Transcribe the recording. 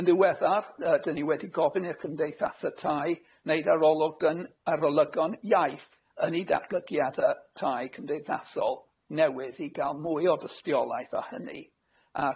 Yn ddiweddar yy 'dan ni wedi gofyn i'r cymdeithasa tai wneud arolwg yn, arolygon iaith yn i datblygiade tai cymdeithasol newydd i ga'l mwy o dystiolaeth o hynny,